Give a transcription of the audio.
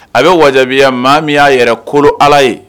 A bɛ wajibiya maa min y'a yɛrɛ ko ala ye